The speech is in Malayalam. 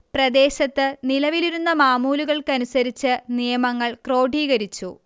പ്രദേശത്ത് നിലവിലിരുന്ന മാമൂലൂകൾക്കനുസരിച്ച് നിയമങ്ങൾ ക്രോഡീകരിച്ചു